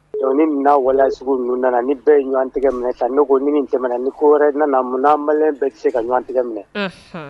Dɔnku ni mina wasiw ninnu nana ni bɛ ye ɲɔgɔn tigɛ minɛ ka ne koo ni nin jamana ni ko wɛrɛ nana munnaan ma bɛ tɛ se ka ɲɔgɔn tigɛ minɛ